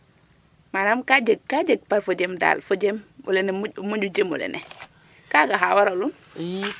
manam ka jeg par fo jem dal fo jem ole moƴu jem olene kaaga xa waralun?